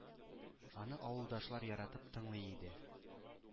Аны авылдашлар яратып тыңлый иде.